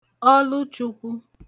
ọlụchukwu